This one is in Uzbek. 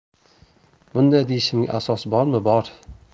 bunday deyishimga asos bormi bor